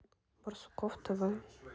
барсуков тв